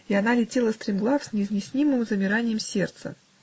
и она летела стремглав с неизъяснимым замиранием сердца